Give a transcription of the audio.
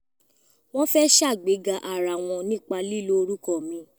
"Wọn fẹ́ ṣàgbéga ara wọn ni nípa lílo orúkọ mi.